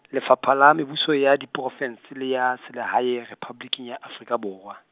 Lefapha la Mebuso ya diprovinse le ya Selehae Rephaboliki ya Afrika Borwa.